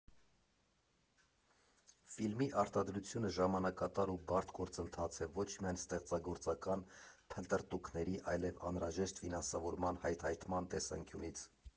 Ֆիլմի արտադրությունը ժամանակատար ու բարդ գործընթաց է ոչ միայն ստեղծագործական փնտրտուքների, այլև անհրաժեշտ ֆինանսավորման հայթայթման տեսանկյունից։